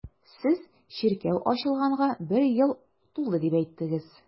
Сез чиркәү ачылганга бер ел тулды дип әйттегез.